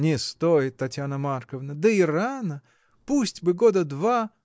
— Не стоит, Татьяна Марковна: да и рано. Пусть бы года два.